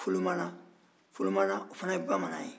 folomana o fana ye bamanan ye